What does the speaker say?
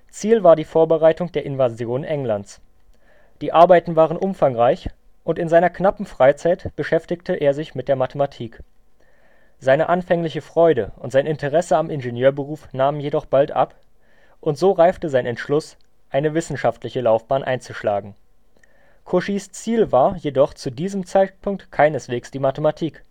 Ziel war die Vorbereitung der Invasion Englands. Die Arbeiten waren umfangreich, und in seiner knappen Freizeit beschäftigte er sich mit der Mathematik. Seine anfängliche Freude und sein Interesse am Ingenieurberuf nahmen jedoch bald ab, und so reifte sein Entschluss, eine wissenschaftliche Laufbahn einzuschlagen. Cauchys Ziel war jedoch zu diesem Zeitpunkt keineswegs die Mathematik